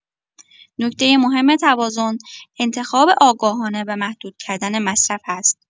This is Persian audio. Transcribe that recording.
نکته مهم توازن، انتخاب آگاهانه و محدود کردن مصرف است.